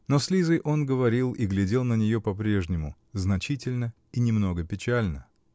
Но с Лизой он говорил и глядел на нее по-прежнему: значительно и немного печально.